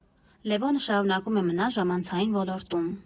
Լևոնը շարունակում է մնալ ժամանցային ոլորտում.